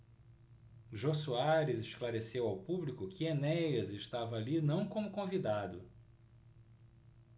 jô soares esclareceu ao público que enéas estava ali não como convidado